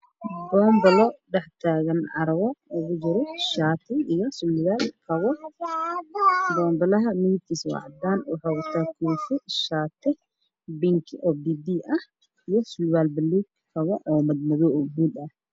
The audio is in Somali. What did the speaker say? Boom ba la dhex taagan meel carwo ah ugu jiro shaati iyo ser midabkiisu waa caddaan